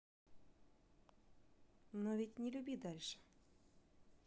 но ведь не люби дальше